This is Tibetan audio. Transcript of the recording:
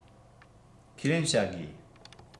ཁས ལེན བྱ དགོས